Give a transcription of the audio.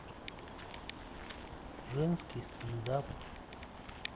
женский стендап